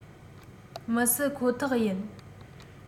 མི སྲིད ཁོ ཐག ཡིན